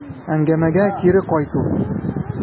Әңгәмәгә кире кайту.